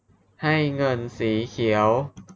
ให้เงินสีเขียว